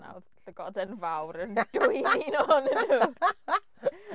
A oedd llygoden fawr yn dwyn un ohonyn nhw .